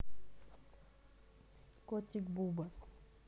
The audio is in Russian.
котик буба